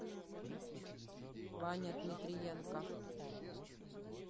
ваня дмитриенко